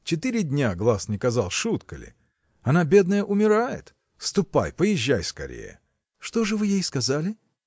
четыре дня глаз не казал – шутка ли? Она, бедная, умирает! Ступай, поезжай скорее. – Что ж вы ей сказали?